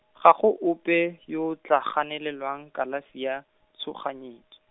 ga go ope, yo o tla ganelwang kalafi ya, tshoganyets-.